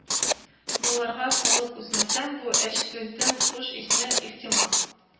Малларга салып үсмәсәм, бу әчкелтем-хуш исне, ихтимал,